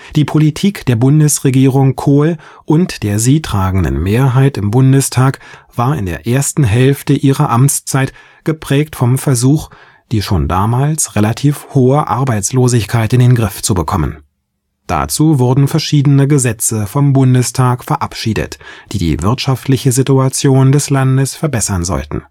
Die Politik der Bundesregierung Kohl und der sie tragenden Mehrheit im Bundestag war in der ersten Hälfte ihrer Amtszeit geprägt vom Versuch, die schon damals relativ hohe Arbeitslosigkeit in den Griff zu bekommen. Dazu wurden verschiedene Gesetze vom Bundestag verabschiedet, die die wirtschaftliche Situation des Landes verbessern sollten